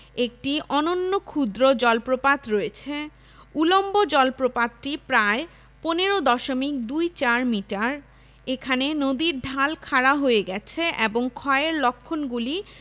একটি অনন্য ক্ষুদ্র জলপ্রপাত রয়েছে উলম্ব জলপ্রপাতটি প্রায় ১৫ দশমিক দুই চার মিটার এখানে নদীর ঢাল খাড়া হয়ে গেছে এবং ক্ষয়ের লক্ষণগুলি